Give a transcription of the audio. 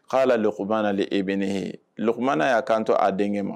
' la lɔkkuba naale e bɛnene lk mana y'a kanto a denkɛ ma